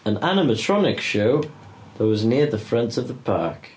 An animatronic show that was near the front of the park.